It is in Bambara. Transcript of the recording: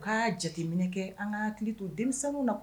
Ka jateminɛ kɛ an ka hakili to denmisɛnw na